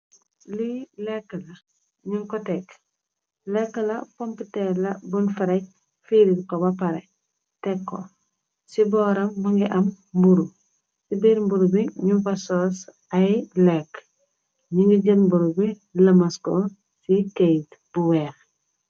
Li lekka la ñing ko tek, lekka la pompitèèr la buñ ferej firirko ba pareh tek ko. Ci boram mugii am mburu , ci biir mburu bi ñing fa sóós ay lekka. Ñi ngi jél mburu bi lamas ko ci kayit bu wèèx.